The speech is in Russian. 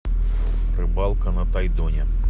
рыбалка на тайдоне